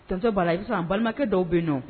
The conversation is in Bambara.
T balahi sisansan an balimakɛ dɔw bɛ don